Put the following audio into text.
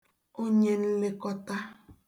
onyenlekọta